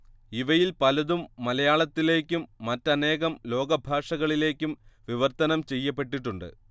ഇവയിൽ പലതും മലയാളത്തിലേക്കും മറ്റനേകം ലോകഭാഷകളിലേക്കും വിവർത്തനം ചെയ്യപ്പെട്ടിട്ടുണ്ട്